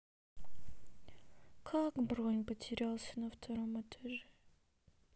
как бронь потерялся на втором этаже